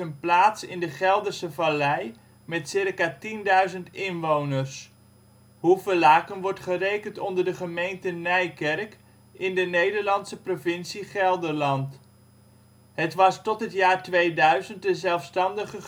plaats in de Gelderse Vallei met circa 10.000 inwoners. Hoevelaken wordt gerekend onder de gemeente Nijkerk, in de Nederlandse provincie Gelderland. Het was tot het jaar 2000 een zelfstandige gemeente